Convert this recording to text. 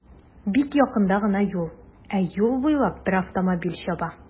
Бик якында гына юл, ә юл буйлап бер автомобиль чаба.